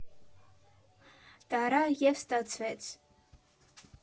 Տարա և ստացվեց.